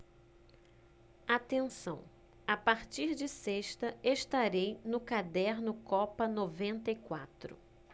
atenção a partir de sexta estarei no caderno copa noventa e quatro